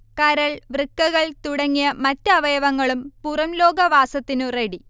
കരൾ, വൃക്കകൾ തുടങ്ങിയ മറ്റവയവങ്ങളും പുറംലോക വാസത്തിനു റെഡി